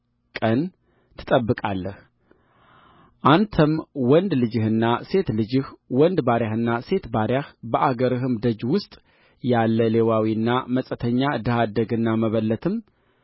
ቀን ትጠብቃለህ አንተም ወንድ ልጅህና ሴት ልጅህ ወንድ ባሪያህና ሴት ባሪያህ በአገርህም ደጅ ውስጥ ያለ ሌዋዊና መጻተኛ ድሀ አደግና መበለትም